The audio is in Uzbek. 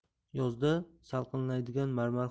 yozda salqinlaydigan marmar